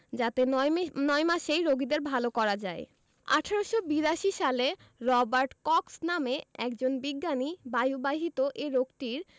যাতে নয়মি ৯ মাসেই রোগীদের ভালো করা যায় ১৮৮২ সালে রবার্ট কক্স নামে একজন বিজ্ঞানী বায়ুবাহিত এ রোগটির